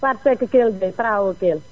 Fatou Seck Kelle Gueye Taravo Kelle